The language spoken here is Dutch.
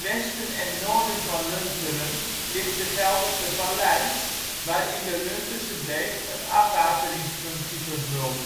westen en noorden van Lunteren ligt de Gelderse Vallei, waarin de Lunterse Beek een afwateringsfunctie vervult.